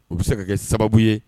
U bɛ se ka kɛ sababu ye